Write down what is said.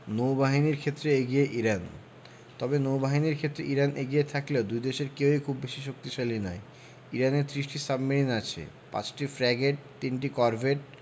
নৌবাহিনীর ক্ষেত্রে এগিয়ে ইরান তবে নৌবাহিনীর ক্ষেত্রে ইরান এগিয়ে থাকলেও দুই দেশের কেউই খুব বেশি শক্তিশালী নয় ইরানের ৩০টির বেশি সাবমেরিন আছে ৫টি ফ্র্যাগেট ৩টি করভেট